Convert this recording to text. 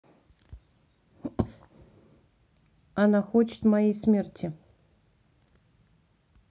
она хочет моей смерти